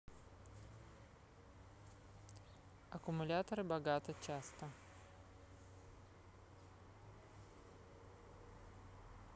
аккумуляторы богато часто